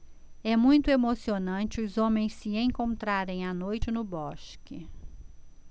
é muito emocionante os homens se encontrarem à noite no bosque